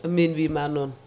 mi wima noon